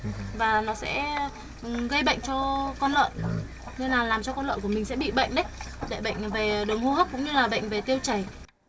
và nó sẽ gây bệnh cho con lợn nên là làm cho con lợn của mình sẽ bị bệnh đấy bệnh về đường hô hấp cũng như là bệnh về tiêu chảy